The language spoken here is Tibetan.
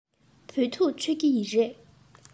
བོད ཐུག མཆོད ཀྱི རེད